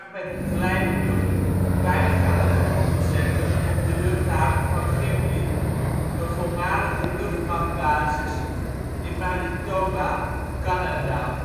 met een glijvlucht veilig aan de grond te zetten op de luchthaven van Gimli, een voormalige luchtmachtbasis in Manitoba (Canada